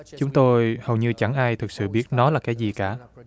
chúng tôi hầu như chẳng ai thực sự biết nó là cái gì cả